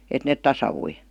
että ne tasaantui